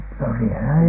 no -